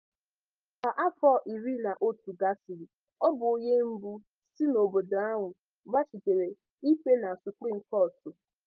Ka afọ 11 gasịrị, ọ bụ onye mbụ si n'obodo ahụ gbachitere ikpe na Supreme Court.